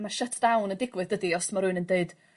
...ma' shut down yn digwydd dydi os ma' rywun yn deud